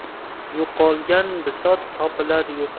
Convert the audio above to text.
yo'qolgan bisot topilar